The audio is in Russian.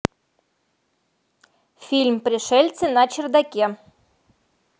фильм пришельцы на чердаке